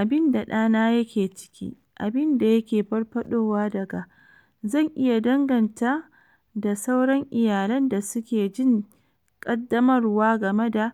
“Abin da ɗana yake ciki, abin da yake farfaɗowa daga, zan iya danganta da sauran iyalan da suke jin ƙaddamarwa game da